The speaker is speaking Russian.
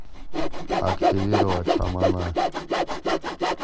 активировать шамана